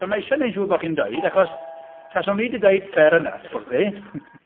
Mae isie wneud siŵr bo' chi'n dweud, achos taswn i 'di dweud fair enough wrthi.